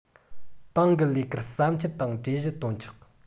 ཏང གི ལས ཀར བསམ འཆར དང གྲོས གཞི བཏོན ཆོག